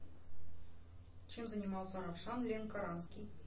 чем занимался равшан ленкоранский